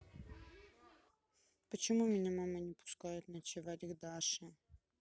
почему меня мама не пускает ночевать к даше